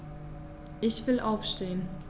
Ich will aufstehen.